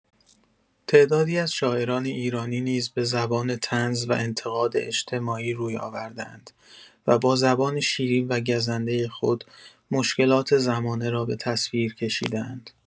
تعدادی از شاعران ایرانی نیز به زبان طنز و انتقاد اجتماعی روی آورده‌اند و با زبان شیرین و گزنده خود، مشکلات زمانه را به تصویر کشیده‌اند.